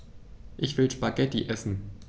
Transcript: Ich will Spaghetti essen.